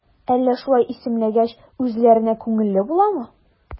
Әллә шулай исемләгәч, үзләренә күңелле буламы?